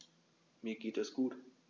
Mir geht es gut.